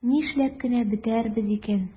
Нишләп кенә бетәрбез икән?